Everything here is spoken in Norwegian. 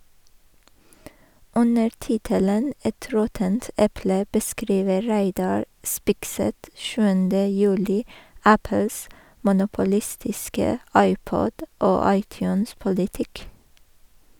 Under tittelen «Et råttent eple» beskriver Reidar Spigseth 7. juli Apples monopolistiske iPod- og iTunes-politikk.